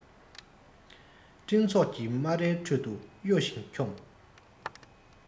སྤྲིན ཚོགས ཀྱི སྨ རའི ཁྲོད དུ གཡོ ཞིང འཁྱོམ